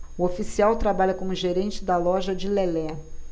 o oficial trabalha como gerente da loja de lelé